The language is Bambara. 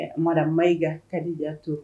Mara mayi ka ta da to